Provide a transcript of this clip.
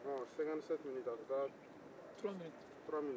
sinkanti sɛti miniti a tora turuwa miniti